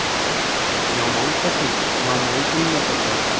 yomon xotin yomon kunda qochar